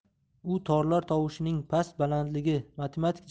u torlar tovushining past balandligi matematik